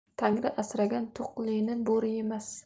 tangri asragan to'qlini bo'ri yemas